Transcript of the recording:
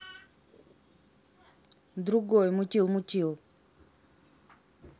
другой мутил мутил